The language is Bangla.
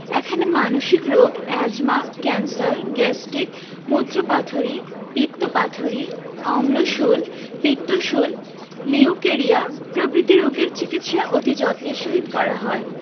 এখানে মানসিক রোগ এ্যজমা ক্যান্সার গ্যাস্টিক মুত্রপাথড়ী পিত্তপাথড়ী অম্লশূল পিত্তশূল লিউকেরিয়া প্রভৃতি রোগের চিকিৎসা অতি যত্নের সহিত করা হয়